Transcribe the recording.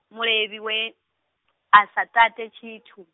mulevhi we, a sa tate tshithu.